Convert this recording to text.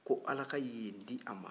ko ala ka yen di a ma